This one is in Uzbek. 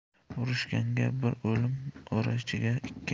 urishganga bir o'lim orachiga ikki